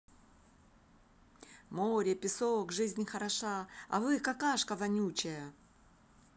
море песок жизнь хороша а вы какашка вонючая